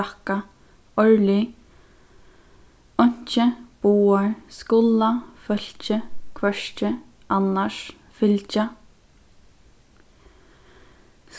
rakka árlig einki báðar skula fólki hvørki annars fylgja